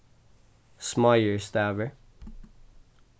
smáir stavir